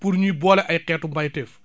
pour ñuy boole ay xeetu mbayteef